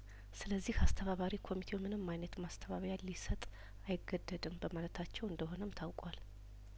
ስለዚህ አስተባባሪ ኮሚቴውምንም አይነት ማስተባበያሊሰጥ አይገደድም በማለታቸው እንደሆነም ታውቋል